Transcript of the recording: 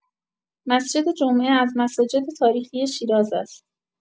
مسجد جمعه از مساجد تاریخی شیراز است.